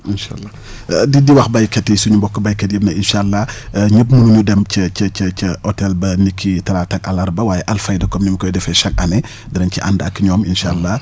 incha allah di di wax béykat yi suñu mbokku béykat yëpp ne incha allah ñëpp mënu ñu dem ca ca ca ca hôtel ba ni ki taalata ak àllarba waaye Alfayda comme ni mu koy defee chaque année danañ ci ànd ak ñoom incha allah